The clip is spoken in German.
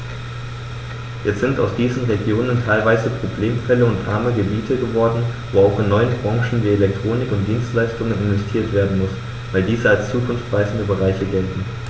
Jetzt sind aus diesen Regionen teilweise Problemfälle und arme Gebiete geworden, wo auch in neue Branchen wie Elektronik und Dienstleistungen investiert werden muss, weil diese als zukunftsweisende Bereiche gelten.